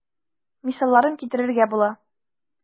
Мисалларын китерергә була.